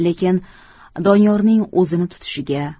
lekin doniyorning o'zini tutishiga